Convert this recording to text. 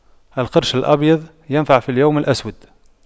القرش الأبيض ينفع في اليوم الأسود